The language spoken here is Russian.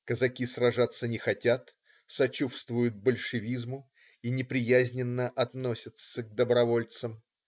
Казаки сражаться не хотят, сочувствуют большевизму и неприязненно относятся к добровольцам.